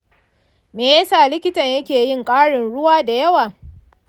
me yasa likitan ya ke yin ƙarin-ruwa da yawa?